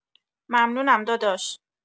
ممنونم داداش